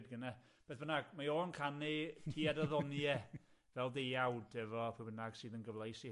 gynna, beth bynnag, mae o'n canu tued y ddoniau fel deuawd efo pw bynnag sydd yn gyfleus i